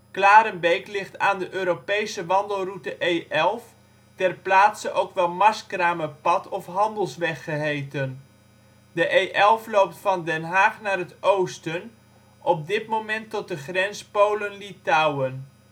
Klarenbeek ligt aan de Europese wandelroute E11, ter plaatse ook wel Marskramerpad of Handelsweg geheten. De E11 loopt van Den Haag naar het oosten, op dit moment tot de grens Polen/Litouwen